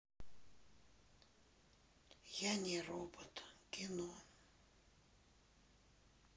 я не робот кино